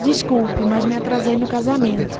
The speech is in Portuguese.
desculpe mas me atrasei no casamento